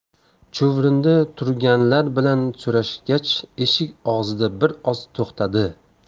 chuvrindi turganlar bilan so'rashgach eshik og'zida bir oz to'xtadi